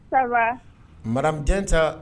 Sabaɛn ta